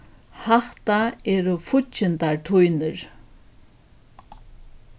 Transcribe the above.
hatta eru fíggindar tínir